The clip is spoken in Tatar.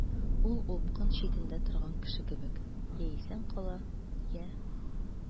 Ул упкын читендә торган кеше кебек— я исән кала, я...